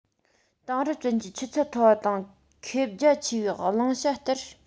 དེང རབས ཅན གྱི ཆུ ཚད མཐོ བ དང ཁེབས རྒྱ ཆེ བའི བླང བྱ ལྟར